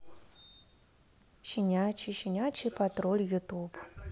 щенячий щенячий патруль ютуб